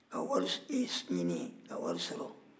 ka wari ɲinin yen ka wari sɔrɔ